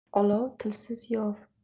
olov tilsiz yov